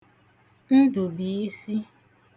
Ndụ̀biisi